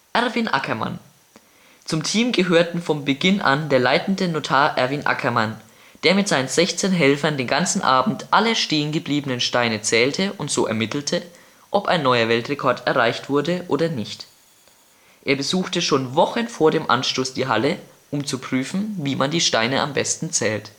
Erwin Akkermann Zum Team gehörten vom Begin an der leitende Notar Erwin Akkermann, der mit seinen 16 Helfern den ganzen Abend alle stehengebliebenen Steine zählte und so ermittelte, ob ein neuer Weltrekord erreicht wurde oder nicht. Er besuchte schon Wochen vor dem Anstoß die Halle um zu prüfen, wie man die Steine am besten zählt